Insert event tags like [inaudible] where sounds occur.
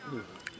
[hesitation] [hesitation]